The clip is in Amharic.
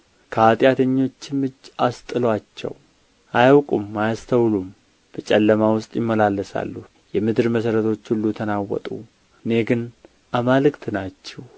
ከኃጢአተኞችም እጅ አስጥሉአቸው አያውቁም አያስተውሉም በጨለማ ውስጥ ይመላለሳሉ የምድር መሠረቶች ሁሉ ተናወጡ እኔ ግን አማልክት ናችሁ